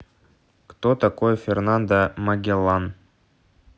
кто такой фернандо магеллан